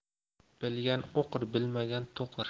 bilgan o'qir bilmagan to'qir